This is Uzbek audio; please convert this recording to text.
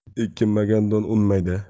ekilmagan don unmaydi